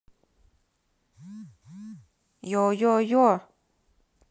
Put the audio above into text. йо йо йо